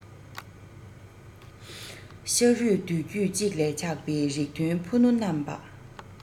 ཤ རུས གདོང རྒྱུད གཅིག ལས ཆད པའི རིགས མཐུན ཕུ ནུ རྣམས པ